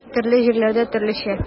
Төрле җирдә төрлечә.